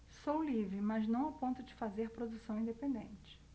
sou livre mas não a ponto de fazer produção independente